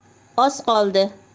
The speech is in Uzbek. oz qold